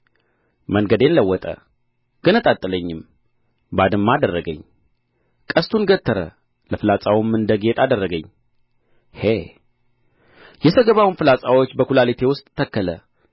መንገዴን ለወጠ ገነጣጠለኝም ባድማ አደረገኝ ቀስቱን ገተረ ለፍላጻውም እንደ ጊጤ አደረገኝ ሄ የሰገባውን ፍላጻዎች በኵላሊቴ ውስጥ ተከለ